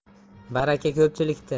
baraka ko'pchilikda